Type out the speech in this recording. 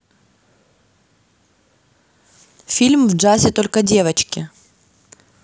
фильм в джазе только девочки